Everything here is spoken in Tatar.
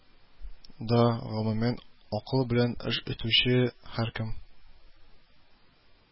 Да, гомумән, акыл белән эш итүче һәркем